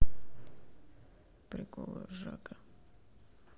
приколы ржака